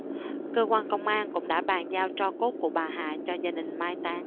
cơ quan công an cũng đã bàn giao tro cốt của bà hà cho gia đình mai táng